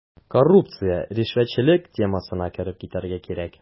Коррупция, ришвәтчелек темасына кереп китәргә кирәк.